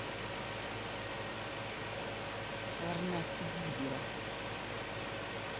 эрнест вибера